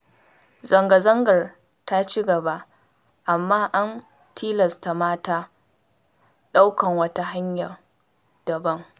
Zanga-zangar ta ci gaba amma an tilasta mata ɗaukan wata hanya daban.